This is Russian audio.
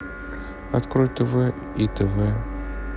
открой тв и тв